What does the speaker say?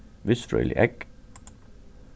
vistfrøðilig egg